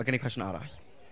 Mae gen i cwestiwn arall.